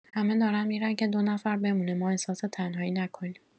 همه دارن می‌رن که دو نفر بمونه ما احساس تنهایی نکنیم